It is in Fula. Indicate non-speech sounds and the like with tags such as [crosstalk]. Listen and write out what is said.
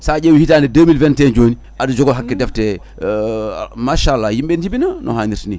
sa ƴewi hitande 2021 joni aɗa jogo hakke defte [hesitation] mahallah yimɓe jibina no hannirta ni